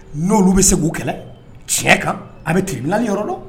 N'olu bɛ se k'u kɛlɛ tiɲɛ kan a bɛ tri bilali yɔrɔ la